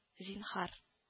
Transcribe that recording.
Зинһар